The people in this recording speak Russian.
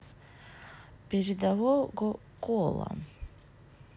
передового кола